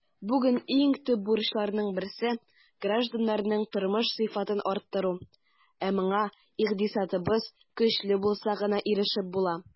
Бүген иң төп бурычларның берсе - гражданнарның тормыш сыйфатын арттыру, ә моңа икътисадыбыз көчле булса гына ирешеп була.